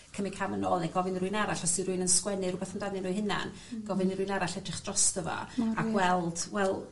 ...cymyd cam yn ôl neu gofyn i rywun arall os 'di rywun yn sgwennu rwbeth amdanyn n'w 'i hunan gofyn i rywun arall edrych drosto fo... Mor wir. ... a gweld wel